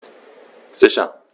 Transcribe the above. Sicher.